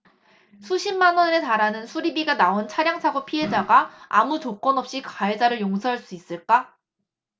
수십만원에 달하는 수리비가 나온 차량사고 피해자가 아무 조건없이 가해자를 용서할 수 있을까